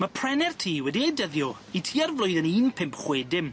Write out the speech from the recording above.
Ma' prene'r tŷ wedi ei dyddio i tua'r flwyddyn un pump chwe dim.